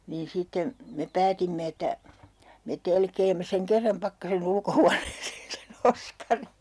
niin sitten me päätimme että me telkeämme sen kerran Pakkasen ulkohuoneeseen sen Oskarin